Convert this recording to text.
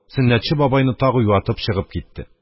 Сөннәтче бабайны тагы юатып чыгып китте.